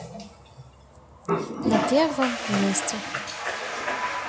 на первом месте